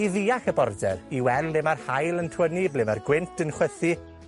i ddeall y border, i weld le ma'r haul yn twynnu, ble ma'r gwynt yn chwythu,